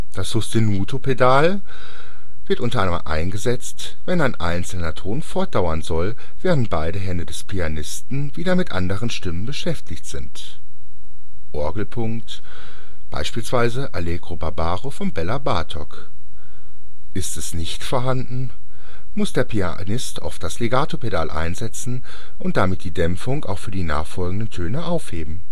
Das Sostenuto-Pedal wird i. a. eingesetzt, wenn ein einzelner Ton fortdauern soll, während beide Hände des Pianisten wieder mit anderen Stimmen beschäftigt sind (Orgelpunkt, vgl. beispielsweise Allegro barbaro von Béla Bartók). Ist es nicht vorhanden, muss der Pianist oft das Legato-Pedal einsetzen und damit die Dämpfung auch für die nachfolgenden Töne aufheben